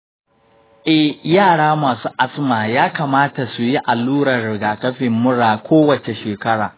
eh, yara masu asma ya kamata su yi allurar rigakafin mura kowace shekara.